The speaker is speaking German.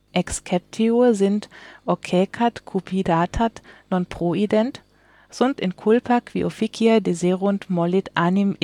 Excepteur sint occaecat cupidatat non proident, sunt in culpa qui officia deserunt mollit anim